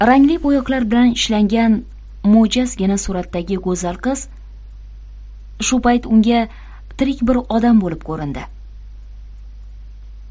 rangli bo'yoqlar bilan ishlangan mo''jazgina suratdagi go'zal qiz shu payt unga tirik bir odam bo'lib ko'rindi